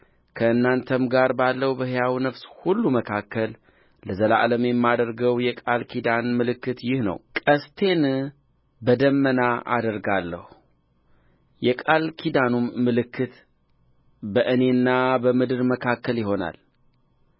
ከእናንተም ጋር ባለው በሕያው ነፍስ ሁሉ መካከል ለዘላለም የማደርገው የቃል ኪዳን ምልክት ይህ ነው ቀስቴን በደመና አድርጌአለሁ የቃል ኪዳኑም ምልክት በእኔና በምድር መካከል ይሆናል